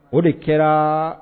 O de kɛra